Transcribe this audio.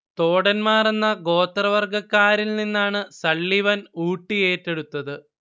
തോടൻമാർ എന്ന ഗോത്രവർഗക്കാരിൽ നിന്നാണ് സള്ളിവൻ ഊട്ടി ഏറ്റെടുത്തത്